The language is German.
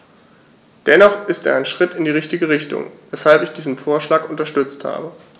Dennoch ist er ein Schritt in die richtige Richtung, weshalb ich diesen Vorschlag unterstützt habe.